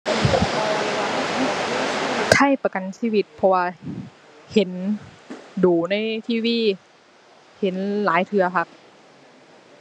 ไทยประกันชีวิต เพราะว่าเห็นดู๋ใน TV เห็นหลายเทื่อคัก